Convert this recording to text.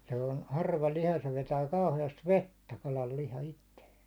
se on harva liha se vetää kauheasti vettä kalan liha itseensä